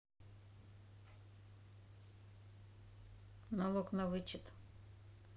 налог на вычет